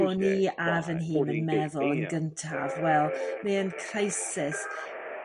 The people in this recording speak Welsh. O ni a fy nhim yn meddwl yn gyntaf wel mae e'n crisis